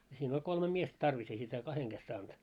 siinä oli kolme miestä tarvis ei sitä kahden kesken saanut